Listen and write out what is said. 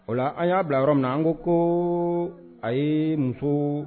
O la, an ya bila yɔrɔ min na an ko ko a ye muso